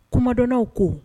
Kumadɔnw ko